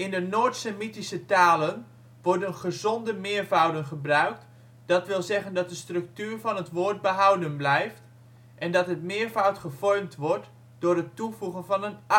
de Noord-Semitische talen worden gezonde meervouden gebruikt, dat wil zeggen dat de structuur van het woord behouden blijft, en dat het meervoud gevormd wordt door het toevoegen van